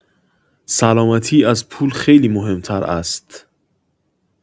سلامتی از پول خیلی مهمتر است